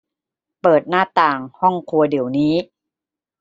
เปิดหน้าต่างห้องครัวเดี๋ยวนี้